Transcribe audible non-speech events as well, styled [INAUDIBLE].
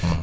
[HESITATION] [HESITATION]